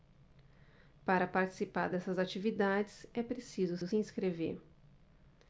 para participar dessas atividades é preciso se inscrever